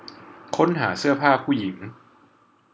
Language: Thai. ค้นหาเสื้อผ้าผู้หญิง